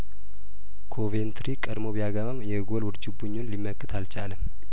ኮቬንትሪ ቀድሞ ቢያገባም የጐል ውርጅብኙን ሊመክት አልቻለም